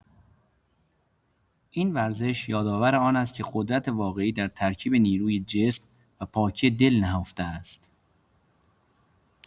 این ورزش یادآور آن است که قدرت واقعی در ترکیب نیروی جسم و پاکی دل نهفته است.